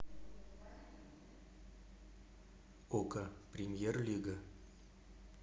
окко премьер лига